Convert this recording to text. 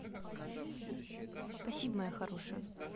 спасибо моя хорошая